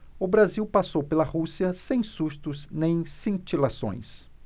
o brasil passou pela rússia sem sustos nem cintilações